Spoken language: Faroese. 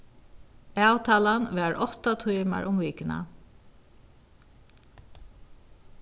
avtalan var átta tímar um vikuna